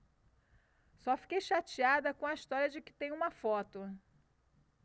só fiquei chateada com a história de que tem uma foto